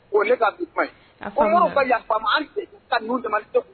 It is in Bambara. O ka a ko mɔgɔw ka yafa an ka dama segu